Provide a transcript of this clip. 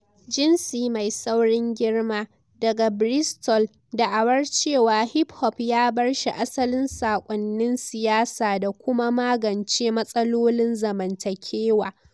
Jinsi Mai Saurin Girma, daga Bristol, da'awar cewa hip hop ya bar shi asalin sakonnin siyasa da kuma magance matsalolin zamantakewa.